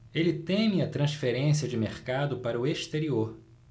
ele teme a transferência de mercado para o exterior